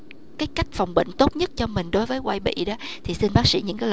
cái cách phòng bệnh tốt nhất cho mình đối với quai bị đó thì xin bác sĩ những cái